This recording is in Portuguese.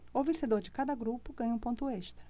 o vencedor de cada grupo ganha um ponto extra